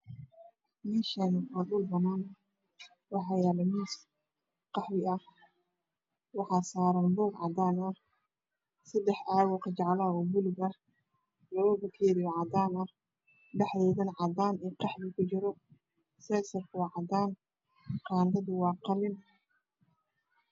Meshan waxaa yala miis qaxwi ah waxaa saran buug cadan ah sedax caag laba koob oo cadan ah dhex doodana cada iyo qaxwi ku jiro iyo seysar cada ah iyo qano qalin ah